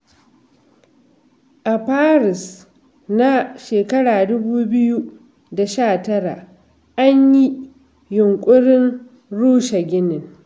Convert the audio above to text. A Maris na 2019, an yi yunƙurin rushe ginin.